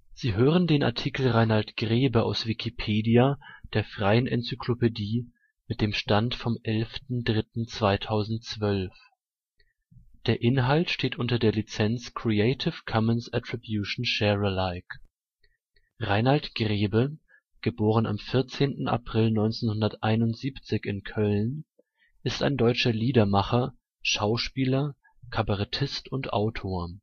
Sie hören den Artikel Rainald Grebe, aus Wikipedia, der freien Enzyklopädie. Mit dem Stand vom Der Inhalt steht unter der Lizenz Creative Commons Attribution Share Alike 3 Punkt 0 Unported und unter der GNU Lizenz für freie Dokumentation. Rainald Grebe Chartplatzierungen (vorläufig) Erklärung der Daten Alben Das Hongkongkonzert DE 93 11. 09. 2009 (1 Wo.) Rainald Grebe & das Orchester der Versöhnung DE 84 18. 02. 2011 (… Wo.) Zurück zur Natur DE 41 16. 09. 2011 (… Wo.) Vorlage:Infobox Chartplatzierungen/Wartung/ohne Quellen Vorlage:Infobox Chartplatzierungen/Wartung/vorläufige Chartplatzierung Rainald Grebe (* 14. April 1971 in Köln) ist ein deutscher Liedermacher, Schauspieler, Kabarettist und Autor